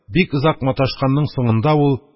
Бик озак маташканның соңында ул